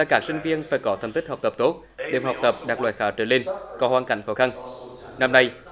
là các sinh viên phải có thành tích học tập tốt điểm học tập đạt loại khá trở lên có hoàn cảnh khó khăn năm nay